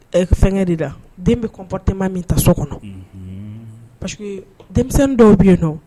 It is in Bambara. Fɛnkɛ de la den bɛ kɔnptɛ min ta so kɔnɔ pa denmisɛnnin dɔw bɛ yen nɔ